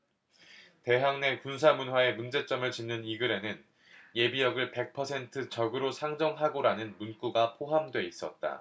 대학 내 군사 문화의 문제점을 짚는 이 글에는 예비역을 백 퍼센트 적으로 상정하고라는 문구가 포함돼 있었다